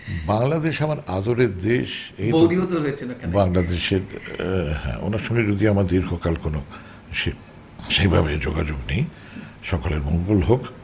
বাংলাদেশ আমার আদরের দেশ বৌদি ও তো রয়েছেন ওখানে বাংলাদেশের হ্যাঁ ওনার সঙ্গে যদিও আমার দীর্ঘকাল কোন সে সেইভাবে কোনো যোগাযোগ নেই সকলের মঙ্গল হোক